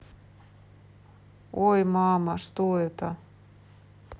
ой мама что это